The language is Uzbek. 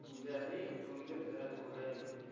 go'jalik ko'ngli tilar xo'jalik